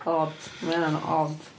Od. Ma' hynna'n od.